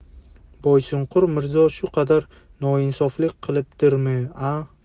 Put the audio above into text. boysunqur mirzo shu qadar noinsoflik qilibdirmi a